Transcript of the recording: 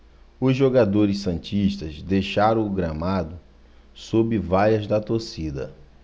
os jogadores santistas deixaram o gramado sob vaias da torcida